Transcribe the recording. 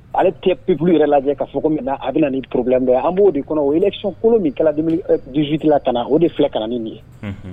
Ale tɛ peplu yɛrɛ lajɛ ka cogo min na a bɛ nin porobidɔ an b'o de kɔnɔ o yesɔnkolon minsila ka na o de filɛ kana na ni nin ye